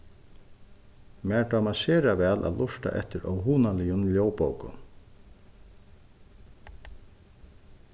mær dámar sera væl at lurta eftir óhugnaligum ljóðbókum